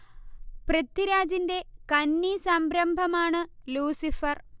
പൃഥ്വിരാജിന്റെ കന്നി സംരംഭമാണ് ലൂസിഫർ